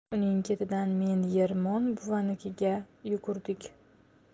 uning ketidan men ermon buvanikiga yugurdik